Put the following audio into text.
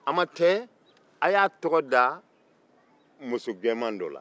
a man tɛ aw y'a tɔgɔ da muso jɛman dɔ la